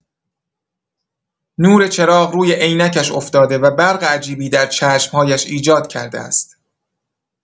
نور چراغ روی عینکش افتاده و برق عجیبی در چشم‌هایش ایجاد کرده است.